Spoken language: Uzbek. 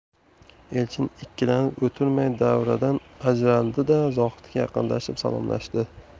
elchin ikkilanib o'tirmay davradan ajraldi da zohidga yaqinlashib salomlashdi